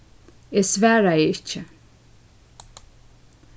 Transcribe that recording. eg svaraði ikki